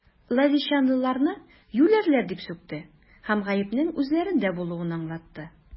Лозищанлыларны юләрләр дип сүкте һәм гаепнең үзләрендә булуын аңлатты.